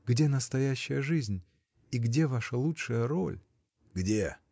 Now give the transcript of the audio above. где настоящая жизнь — и где ваша лучшая роль. — Где?